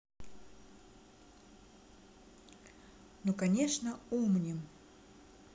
ну конечно умним